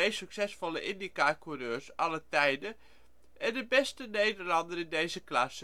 succesvolle Indycar coureurs aller tijden en beste Nederlander in deze klasse